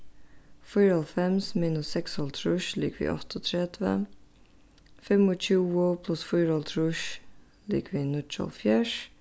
fýraoghálvfems minus seksoghálvtrýss er ligvið áttaogtretivu fimmogtjúgu pluss fýraoghálvtrýss ligvið níggjuoghálvfjerðs